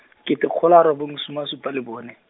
kete kgolo a robong soma a supa le bone.